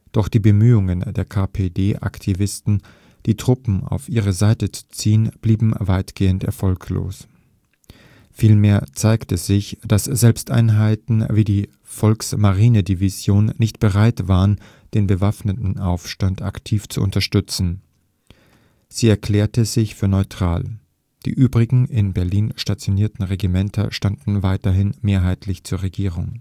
Doch die Bemühungen der KPD-Aktivisten, die Truppen auf ihre Seite zu ziehen, blieben weitgehend erfolglos. Vielmehr zeigte sich, dass selbst Einheiten wie die Volksmarinedivision nicht bereit waren, den bewaffneten Aufstand aktiv zu unterstützen. Sie erklärte sich für neutral. Die übrigen in Berlin stationierten Regimenter standen weiterhin mehrheitlich zur Regierung